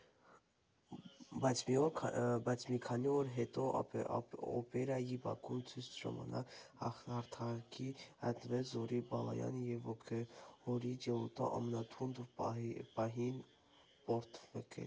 Բայց մի քանի օր հետո Օպերայի բակում ցույցի ժամանակ հարթակին հայտնվեց Զորի Բալայանը և ոգևորիչ ելույթի ամենաթունդ պահին պոռթկաց.